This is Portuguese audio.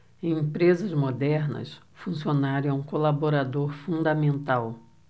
em empresas modernas o funcionário é um colaborador fundamental